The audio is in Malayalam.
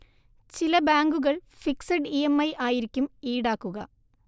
ചില ബാങ്കുകൾ ഫിക്സഡ് ഇഎംഐ ആയിരിക്കും ഈടാക്കുക